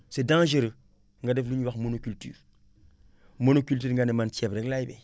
c' est dangereux nga def li ñuy wax monoculture monoculture nga ne man ceeb rek laay bay